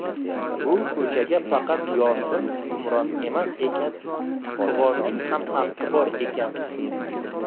bu ko'chaga faqat yong'in hukmron emas ekan fig'onning ham haqqi bor ekan